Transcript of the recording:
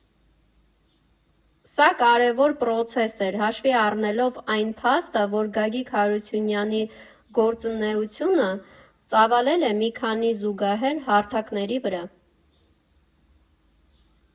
Սա կարևոր պրոցես էր՝ հաշվի առնելով այն փաստը, որ Գագիկ Հարությունյանի գործունեությունը ծավալվել է մի քանի զուգահեռ հարթակների վրա։